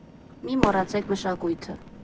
Մի մոռացեք մշակույթը։